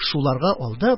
Шуларга алдап,